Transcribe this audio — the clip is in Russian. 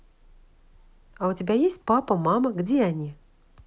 а у тебя есть папа мама где они